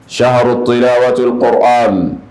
Saro tora waatituru kɔrɔ